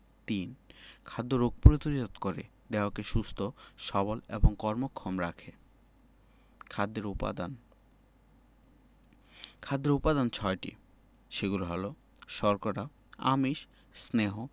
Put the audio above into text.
৩ খাদ্য রোগ প্রতিরোধ করে দেহকে সুস্থ সবল এবং কর্মক্ষম রাখে খাদ্যের উপাদান খাদ্যের উপাদান ছয়টি সেগুলো হলো শর্করা আমিষ স্নেহ